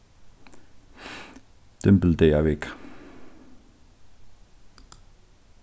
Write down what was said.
dymbildagavika